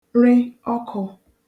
re ọkụ̄